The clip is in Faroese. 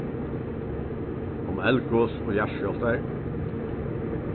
um eldgos og jarðskjálvtar